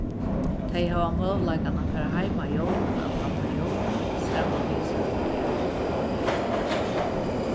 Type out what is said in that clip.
tey hava møguleikan at fara heim á jólum at halda jól saman við sínum kæru